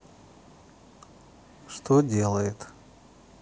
что делает